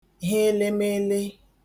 he elemele